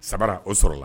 Sabara o sɔrɔ la